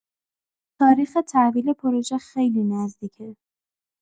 تاریخ تحویل پروژه خیلی نزدیکه